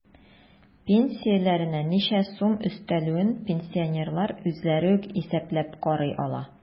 Пенсияләренә ничә сум өстәлүен пенсионерлар үзләре үк исәпләп карый ала.